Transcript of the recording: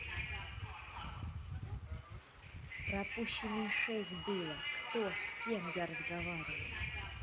пропущенные шесть было кто с кем я разговариваю